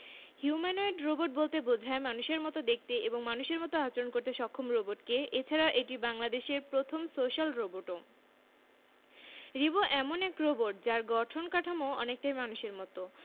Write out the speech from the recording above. humanoid robot বলতে বোঝায় মানুষের মতো দেখতে এবং মানুষের মতো আচরণ করতে সক্ষম রোবটকে এছাড়া এটি বাংলাদেশের প্রথম সোশ্যাল রোবটও রিবো এমন এক রোবট যার গঠন কাঠামো অনেকটাই মানুষের মতো